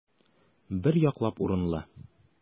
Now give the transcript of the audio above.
Бер яклап урынлы.